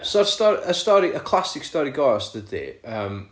So'r stor- y stori... y classic stori ghost ydy yym